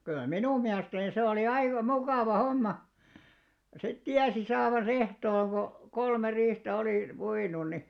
kyllä minun mielestäni se oli aika mukava homma sitten tiesi saavansa ehtoon kun kolme riihtä oli puinut niin